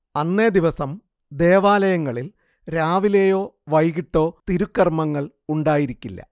അന്നേ ദിവസം ദേവാലയങ്ങളിൽ രാവിലെയോ വൈകീട്ടോ തിരുക്കർമ്മങ്ങൾ ഉണ്ടായിരിക്കില്ല